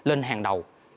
lên hàng đầu